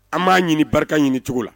An b'a ɲini barika ɲini cogo la